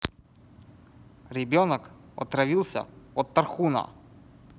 ребенок отравился от тархуна